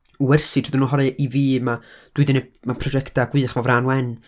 wersi drwyddyn nhw. Oherwydd, i fi, ma', dwi 'di wneud... ma' prosiectau gwych 'fo Frân Wen...